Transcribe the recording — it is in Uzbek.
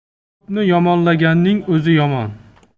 ko'pni yomonlaganning o'zi yomon